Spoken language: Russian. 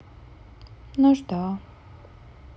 нужда